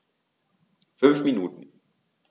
5 Minuten